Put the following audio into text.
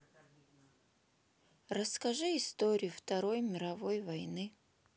расскажи историю второй мировой войны